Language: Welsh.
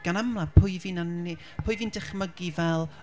gan amlaf pwy fi'n ane- pwy fi'n dychmygu fel...